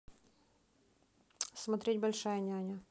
смотреть большая няня